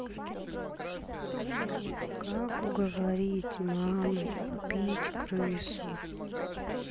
как уговорить маму купить крысу